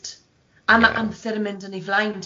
a ma' amser yn mynd yn ei flaen ti'n gwbod?